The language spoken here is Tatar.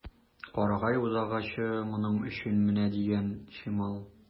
Карагай үзагачы моның өчен менә дигән чимал.